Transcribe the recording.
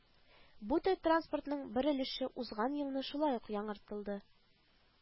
Бу төр транспортның бер өлеше узган елны шулай ук яңартылды